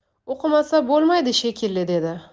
o'qimasa bo'lmaydi shekilli dedi